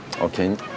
ô kê ô